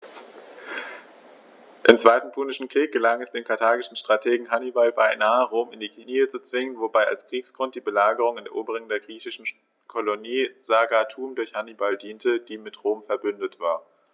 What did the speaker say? Im Zweiten Punischen Krieg gelang es dem karthagischen Strategen Hannibal beinahe, Rom in die Knie zu zwingen, wobei als Kriegsgrund die Belagerung und Eroberung der griechischen Kolonie Saguntum durch Hannibal diente, die mit Rom „verbündet“ war.